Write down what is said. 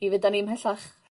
i fynd a ni' mhellach.